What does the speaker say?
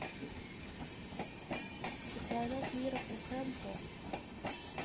чемпионат мира по кэмпо